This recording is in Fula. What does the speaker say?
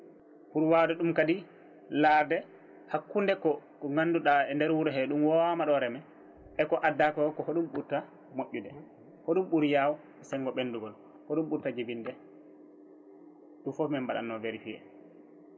pour wawde ɗum kadi laarde hakkude ko ganduɗa e nde wuuro he e ɗum wowama ɗo reeme eko adda ko ko hoɗum ɓurta moƴƴude hoɗum ɓuuri yaaw senggo ɓendugol hoɗum ɓurta jibinde ɗum foof min mbaɗanno vérifier